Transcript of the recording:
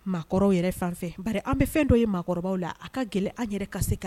Maakɔrɔbaw yɛrɛ fan ba an bɛ fɛn dɔ ye maakɔrɔbabaww la a ka gɛlɛn an yɛrɛ ka se kan